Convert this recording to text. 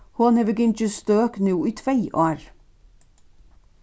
hon hevur gingið støk nú í tvey ár